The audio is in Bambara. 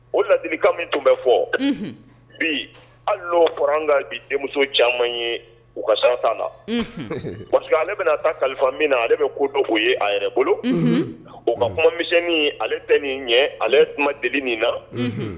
O ladika min tun bɛ fɔ bi hali y'o fɔra an ka bi denmuso caman ye u ka sarakata na parce que ale bɛna taa kalifa min na ale bɛ ko dɔ' ye a yɛrɛ bolo o ka kumamisɛnsɛnnin ale tɛ nin ɲɛ ale kuma deli min na